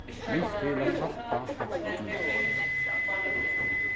minst til at salta poppkornið væl